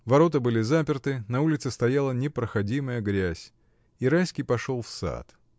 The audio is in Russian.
Ворота были заперты, на улице стояла непроходимая грязь, и Райский пошел в сад.